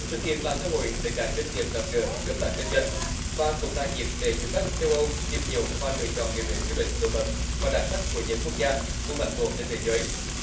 sự kiện là cơ hội để các doanh nghiệp gặp gỡ hợp tác kinh doanh và cũng là dịp để du khách châu âu tìm hiểu và lựa chọn địa điểm du lịch nổi bật và đặc sắc của nhiều quốc gia vùng lãnh thổ trên thế giới